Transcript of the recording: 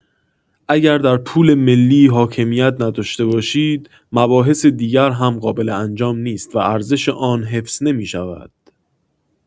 اگر در پول ملی حاکمیت نداشته باشید مباحث دیگر هم قابل انجام نیست و ارزش آن حفظ نمی‌شود.